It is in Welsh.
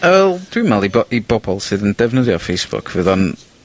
Wel, dwi me'wl i bob- i bobol sydd yn defnyddio Facebook fydd o'n